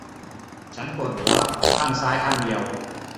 ฉันปวดหัวข้างซ้ายข้างเดียว